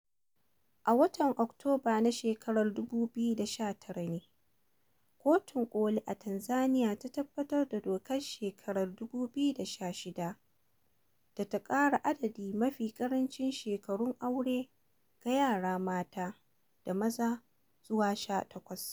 A watan Oktoba na shekarar 2019 ne, kotun ƙoli a Tanzaniya ta tabbatar da dokar shekarar 2016 da ta ƙara adadin mafi ƙarancin shekarun aure ga yara mata da maza zuwa 18.